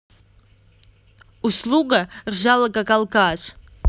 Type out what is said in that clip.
услуга ржала как алкаш